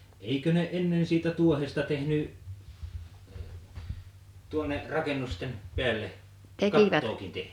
eikö ne ennen siitä tuohesta tehnyt tuonne rakennusten päälle kattoakin -